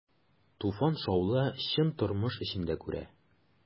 Туфан шаулы, чын тормыш эчендә күрә.